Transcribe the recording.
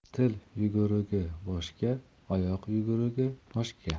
til yugurigi boshga oyoq yugurigi oshga